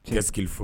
I ka' fɔ